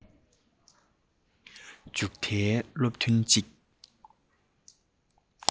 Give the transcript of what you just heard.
མཇུག མཐའི སློབ ཐུན གཅིག